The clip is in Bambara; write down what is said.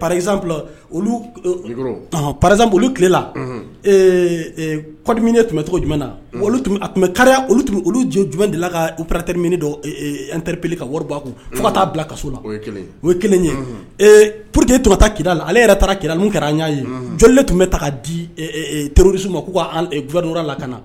paz paz olu tilelamin tun bɛcogo jumɛn na olu tun bɛ kari olu olu jumɛn de la ka u paratereminɛ don an terirepli ka wari' a kun fo ka taa bila kaso la o ye kelen ye purte tota kila ale yɛrɛ kira kɛra an y'a ye jɔnlen tun bɛ ta di trourusu ma k'u ka gwa la ka na